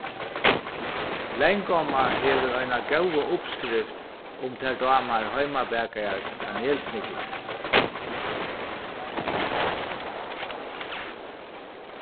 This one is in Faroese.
langomma hevur eina góða uppskrift um tær dámar heimabakaðar kanelsniglar